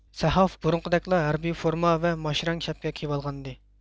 سەھاف بۇرۇنقىدەكلا ھەربىي فورما ۋە ماشرەڭ شەپكە كىيىۋالغان ئىدى